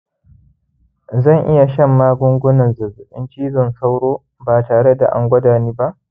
zan iya shan magungunan zazzabin cizon sauro ba tare da an gwada ni ba